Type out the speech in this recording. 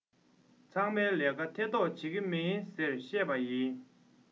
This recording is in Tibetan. ཚང མའི ལས ཀར ཐེ གཏོགས བྱེད ཀྱི མིན ཟེར བཤད པ ཡིན